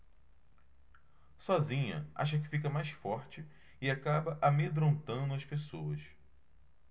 sozinha acha que fica mais forte e acaba amedrontando as pessoas